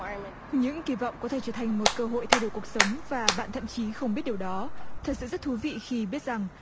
những kỳ vọng có thể trở thành một cơ hội thay đổi cuộc sống và bạn thậm chí không biết điều đó thật sự rất thú vị khi biết rằng